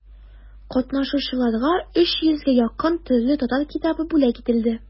Катнашучыларга өч йөзгә якын төрле татар китабы бүләк ителде.